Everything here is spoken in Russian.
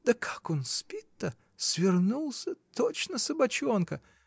Да как он спит-то: свернулся, точно собачонка!